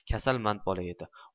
kasalmand bola edi